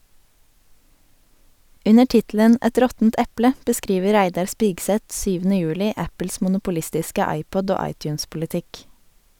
Under tittelen "Et råttent eple" beskriver Reidar Spigseth 7. juli Apples monopolistiske iPod- og iTunes-politikk.